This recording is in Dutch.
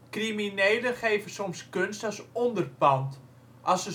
Criminelen geven soms kunst als onderpand, als